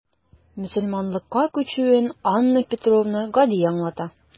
Мөселманлыкка күчүен Анна Петрова гади аңлата.